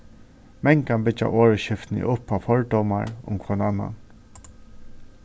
mangan byggja orðaskiftini upp á fordómar um hvønn annan